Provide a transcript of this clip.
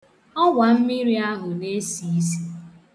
Ọwammiri ahụ na-esi isì